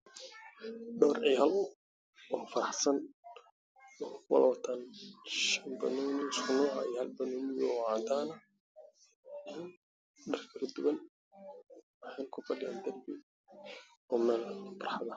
Mashaan waa fadhido carruur faraxsan oo wadda shanbanooni oo gaduud ah iyo xabad cadaan